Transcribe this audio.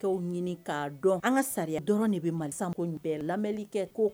T'o ɲiini k'a don an ka sariya dɔrɔnw de bɛ Mali bɛɛ lamɛni kɛ ko